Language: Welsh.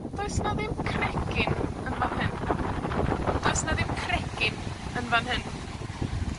does 'na ddim cregyn yn fan hyn. Does 'na ddim cregyn yn fan hyn.